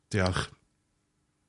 Diolch.